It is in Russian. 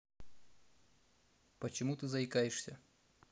почему ты заикаешься